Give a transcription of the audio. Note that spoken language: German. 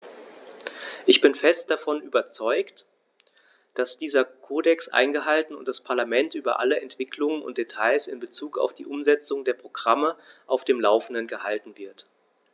Ich bin fest davon überzeugt, dass dieser Kodex eingehalten und das Parlament über alle Entwicklungen und Details in bezug auf die Umsetzung der Programme auf dem laufenden gehalten wird.